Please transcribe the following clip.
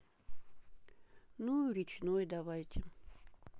ну речной давайте